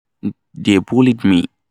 They bullied me!